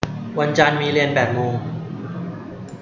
วันจันทร์มีเรียนแปดโมง